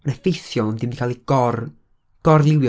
ma'n effeithiol ond 'di o'm 'di gael ei gor- gor-liwio.